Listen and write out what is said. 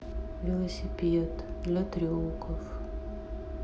велосипед для трюков